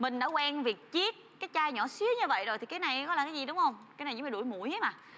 mình đã quen việc chiết cái chai nhỏ xíu như vậy rồi thì cái này có là cái gì đúng không cái này giống như đuổi muỗi ấy mà